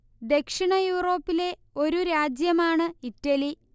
ദക്ഷിണ യൂറോപ്പിലെ ഒരു രാജ്യമാണ് ഇറ്റലി